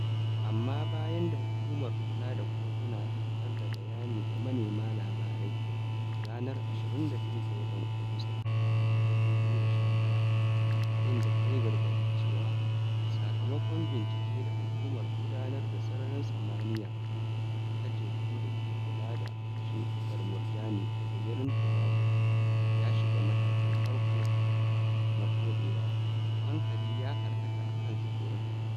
Amma bayan da Hukumar Kula da Koguna ta fitar da bayani ga manema labarai ranar 22 ga Agusta, 2019 a inda ta yi gargaɗi cewa - sakamakon bincike da Hukumar Gudanar da Sararin Samaniya da Teku da ke Kula da Shimfiɗar Murjani ta tsibirin Tobago ya shiga "Matakin Farko na Koɗewa", hankali ya karkata a kan tsibirin.